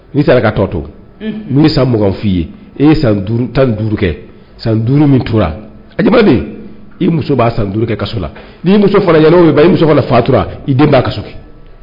N'i saraka tɔ to ye san m f i ye ye tan san duuru min tora i muso b'a san ka la muso i muso fatura i den'a